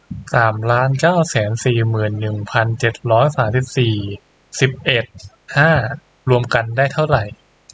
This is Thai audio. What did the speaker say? สามล้านเก้าแสนสี่หมื่นหนึ่งพันเจ็ดร้อยสามสิบสี่สิบเอ็ดห้ารวมกันได้เท่าไหร่